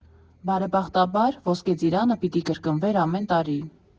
Բարեբախտաբար, Ոսկե ծիրանը պիտի կրկնվեր ամեն տարի։